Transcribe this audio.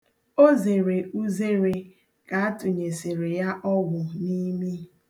O zere uzere ka atụnyesịrị ya ọgwụ n'imi.